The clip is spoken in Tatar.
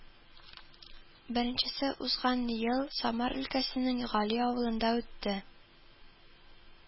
Беренчесе узган ел Самар өлкәсенең Гали авылында үтте